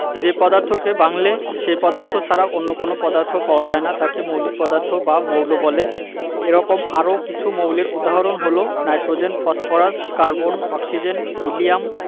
যে পদার্থকে ভাঙলে সেই পদার্থ ছাড়া অন্য কোনো পদার্থ পাওয়া যায় না তাকে মৌলিক পদার্থ বা মৌল বলে এরকম আরও কিছু মৌলের উদাহরণ হলো nitrogen phosphorus carbon oxygen helium